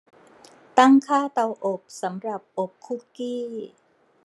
ตั้งค่าเตาอบสำหรับอบคุกกี้